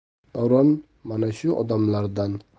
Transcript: davron mana shu odamlardan